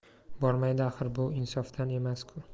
bormaydi axir bu insofdan emas ku